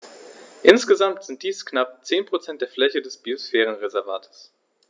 Insgesamt sind dies knapp 10 % der Fläche des Biosphärenreservates.